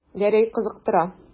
Гәрәй кызыктыра.